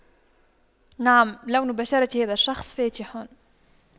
نعم لون بشرة هذا الشخص فاتح